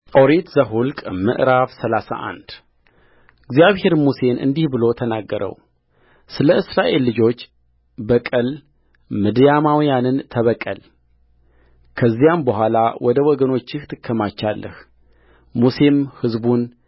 ኦሪት ዘኍልቍ ምዕራፍ ሰላሳ አንድ እግዚአብሔርም ሙሴን እንዲህ ብሎ ተናገረውስለ እስራኤል ልጆች በቀል ምድያማውያንን ተበቀል ከዚያም በኋላ ወደ ወገኖችህ ትከማቻለህሙሴም ሕዝቡን